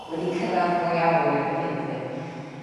wedi cyrradd go iawn erbyn hyn dydyn?